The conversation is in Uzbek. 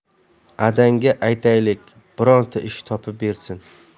adangga aytaylik bironta ish topib bersin